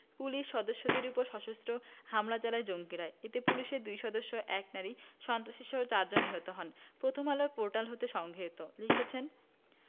police সদস্যদের ওপর সশস্ত্র হামলা চালায় জঙ্গিরা এতে পুলিশের দুই সদস্য এক নারী সন্ত্রাসীসহ চারজন নিহত হন প্রথমআলো পোর্টাল হতে সংগৃহীত লিখেছেন